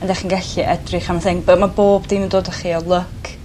ond 'dych chi'n gallu edrych am thing bu- ma' bob dim yn dod a chi o luck.